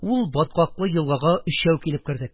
Ул баткаклы елгага өчәү килеп кердек,